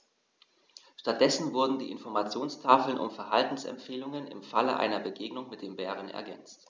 Stattdessen wurden die Informationstafeln um Verhaltensempfehlungen im Falle einer Begegnung mit dem Bären ergänzt.